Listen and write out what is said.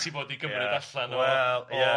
ti fod i gymryd allan o... Wel ia.